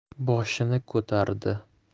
boshini ko'tardi